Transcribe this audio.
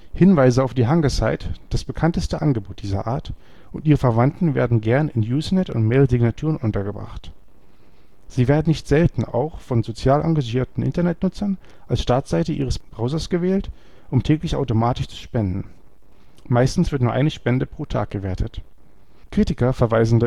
Hinweise auf die „ Hungersite “, das bekannteste Angebot dieser Art, und ihre Verwandten werden gern in Usenet - oder Mail-Signaturen untergebracht. Sie werden nicht selten auch von sozial engagierten Internetnutzern als Startseite ihres Browsers gewählt, um täglich automatisch zu spenden. (Meistens wird nur eine Spende pro Tag gewertet.) Kritiker verweisen